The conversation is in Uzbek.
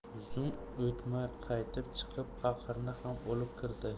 zum o'tmay qaytib chiqib paqirni ham olib kirdi